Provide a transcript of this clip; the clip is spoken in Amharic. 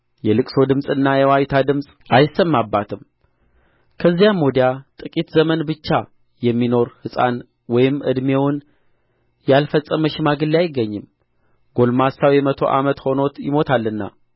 የልቅሶ ድምፅና የዋይታ ድምፅ አይሰማባትም ከዚያም ወዲያ ጥቂት ዘመን ብቻ የሚኖር ሕፃን ወይም ዕድሜውን ያልፈጸመ ሽማግሌ አይገኝም ጕልማሳው የመቶ ዓመት ሆኖት ይሞታልና